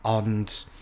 Ond...